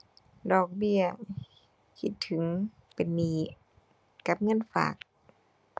ดอกเบี้ย คิดถึง เป็นหนี้ กับเงินฝาก